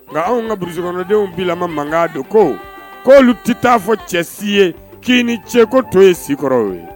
Nka anw kaurusikdenw bi mankan don ko k' olu tɛ t taa fɔ cɛ si ye k'i ni ce ko to ye sikɔrɔ ye